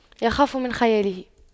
يخاف من خياله